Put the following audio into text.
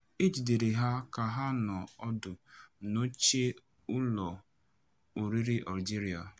E jidere ha ka ha nọ ọdụ n'oche ụlọ oriri Algeria.